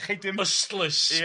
...chei dim... Ystlys. Ia.